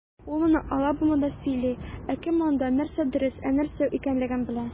Ул моны Алабамада сөйли, ә кем анда, нәрсә дөрес, ә нәрсә юк икәнлеген белә?